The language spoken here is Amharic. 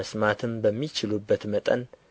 መስማትም በሚችሉበት መጠን